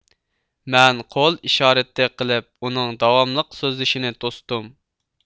مەن قول ئىشارىتى قىلىپ ئۇنىڭ داۋاملىق سۆزلىشىنى توستۇم